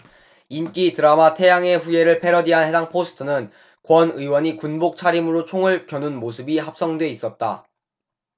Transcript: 인기 드라마 태양의 후예를 패러디한 해당 포스터는 권 의원이 군복 차림으로 총을 겨눈 모습이 합성돼 있었다